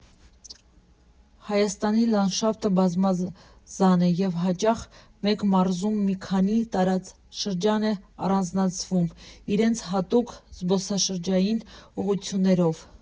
Հայաստանի լանդշաֆտը բազմազան է, և հաճախ մեկ մարզում մի քանի տարածաշրջան է առանձնացվում՝ իրենց հատուկ զբոսաշրջային ուղղություններով։